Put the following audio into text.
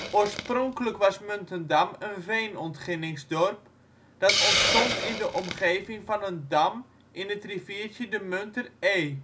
Oorspronkelijk was Muntendam een veenontginningsdorp, dat ontstond in de omgeving van een dam in het riviertje de Munter Ee